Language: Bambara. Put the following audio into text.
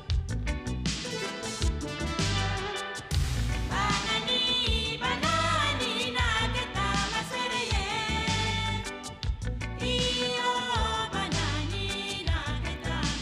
San wa matan wa tilegɛnin yo mar yo